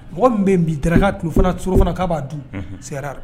Mɔgɔ min bɛ bi draka tun fana sofana k'a'a dun se la